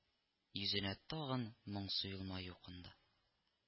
Йөзенә тагын моңсу елмаю кунды